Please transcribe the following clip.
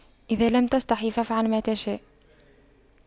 اذا لم تستحي فأفعل ما تشاء